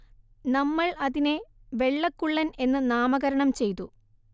നമ്മൾ അതിനെ വെള്ളക്കുള്ളൻ എന്ന് നാമകരണം ചെയ്തു